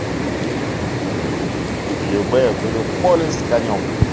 любэ выйду в поле с конем